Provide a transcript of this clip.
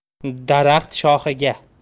daraxt shoxiga